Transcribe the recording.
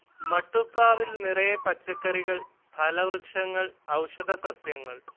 മട്ടുപ്പാവിൽ നിറയെ പച്ചക്കറികൾ, ഫലവൃക്ഷങ്ങൾ, ഔഷധ സസ്യങ്ങൾ